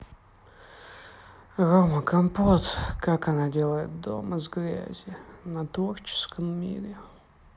рома компот как она делает дом из грязи на творческом мире